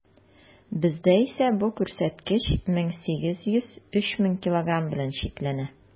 Бездә исә бу күрсәткеч 1800 - 3000 килограмм белән чикләнә.